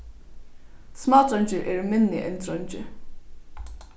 smádreingir eru minni enn dreingir